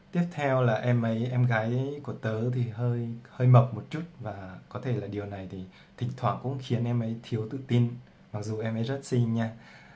tiếp theo em gái tớ hơi mập một chút điều này có thể thỉnh thoảng khiến em ấy thiếu tự tin mặc dù em ấy rất xinh nha